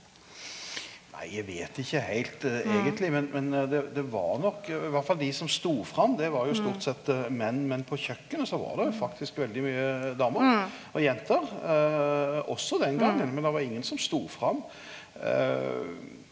nei eg veit ikkje heilt eigentleg, men men det det var nok iallfall dei som stod fram det var jo stort sett menn, men på kjøkkenet så var der jo faktisk veldig mykje damer og jenter også den gongen, men det var ingen som stod fram .